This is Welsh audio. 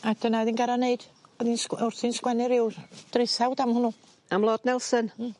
a dyna o'dd 'i'n gor'o' neud o'dd 'i'n sg- wrth 'i'n sgwennu ryw draethawd am hwnnw. Am Lord Nelson? Hmm.